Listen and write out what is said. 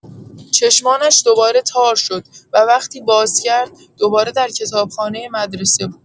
چشمانش دوباره تار شد، و وقتی باز کرد، دوباره در کتابخانه مدرسه بود.